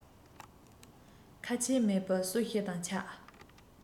ཁ ཆད མེད པའི སྲོལ ཞིག ཏུ ཆགས